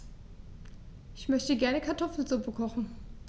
Ich möchte gerne Kartoffelsuppe kochen.